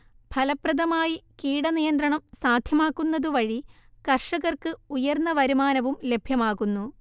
ഫലപ്രദമായി കീടനിയന്ത്രണം സാധ്യമാക്കുന്നതുവഴി കർഷകർക്ക് ഉയർന്ന വരുമാനവും ലഭ്യമാകുന്നു